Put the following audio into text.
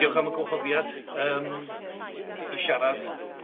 ###diolch am y gwahoddiad, yym, i siarad.